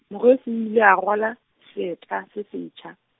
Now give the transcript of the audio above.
Morwesi o ile a rwala, seeta se setjha.